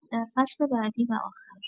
در فصل بعدی و آخر